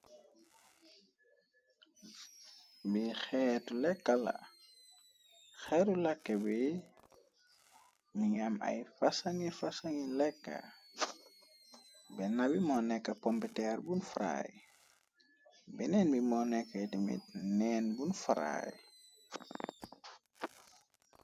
Li xeetu lekka la xetu lakke bi mi yam ay fasa ngi fasa ngi lekka benna bi moo nekk pompeteer bun fraay beneen bi moo nekkaitimit neen bun fraiy.